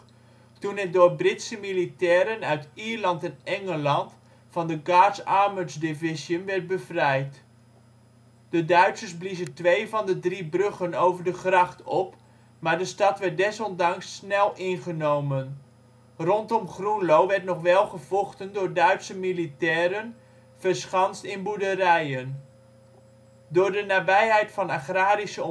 toen het door Britse militairen uit Ierland en Engeland van de Guards Armoured Division werd bevrijd. De Duitsers bliezen twee van de drie bruggen over de gracht op, maar de stad werd desondanks snel ingenomen. Rondom Groenlo werd nog wel gevochten door Duitse militairen verschanst in boerderijen. Door de nabijheid van agrarische